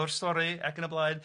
o'r stori ac yn y blaen.